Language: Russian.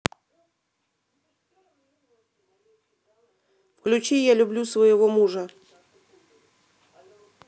включи я люблю своего мужа